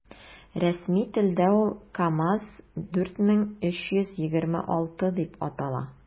Рәсми телдә ул “КамАЗ- 4326” дип атала.